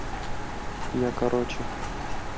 я короче